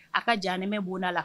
A ka jan nemɛ bonda la